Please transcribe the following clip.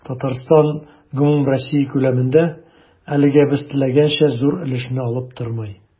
Татарстан гомумроссия күләмендә, әлегә без теләгәнчә, зур өлешне алып тормый.